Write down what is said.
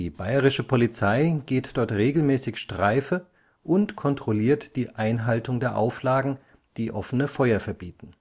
Bayerische Polizei geht dort regelmäßig Streife und kontrolliert die Einhaltung der Auflagen, die offene Feuer verbieten